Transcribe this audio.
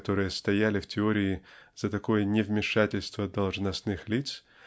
которые стояли в теории за такое невмешательство должностных лиц